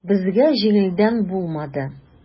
Безгә җиңелдән булмады.